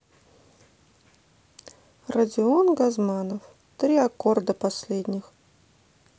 родион газманов три аккорда последних